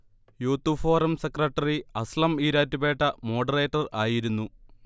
youth forum secretary Aslam Erattupetta moderator ആയിരുന്നു